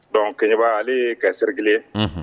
Don keba ale ye kasɛri kelen